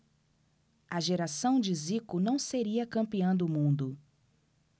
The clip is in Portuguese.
a geração de zico não seria campeã do mundo